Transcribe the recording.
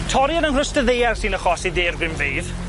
Toriad yng Nghrwst y Ddaear sy'n achosi daeargrynfeydd,